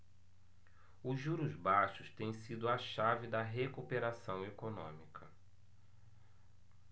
os juros baixos têm sido a chave da recuperação econômica